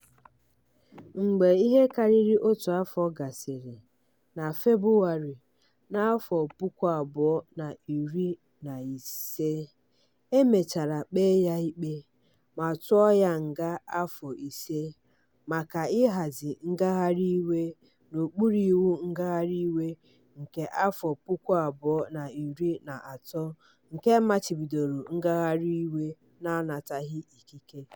Mgbe ihe karịrị otu afọ gasịrị, na Febụwarị 2015, e mechara kpee ya ikpe ma tụọ ya nga afọ ise maka "ịhazi" ngagharị iwe n'okpuru iwu ngagharị iwe nke 2013 nke machibidoro ngagharị iwe na-anataghị ikike.